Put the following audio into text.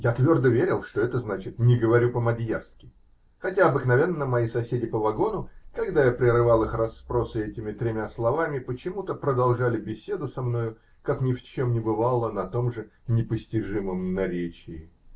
Я твердо верил, что это значит "не говорю по-мадьярски", хотя обыкновенно мои соседи по вагону, когда я прерывал их расспросы этими тремя словами, почему-то продолжали беседу со мною как ни в чем не бывало на том же непостижимом наречии.